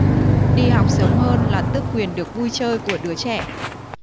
đi học sớm hơn là tước quyền được vui chơi của đứa trẻ